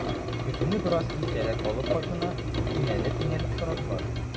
Көтүне бераз иртәрәк алып кайтуны инәлеп-инәлеп сорадылар.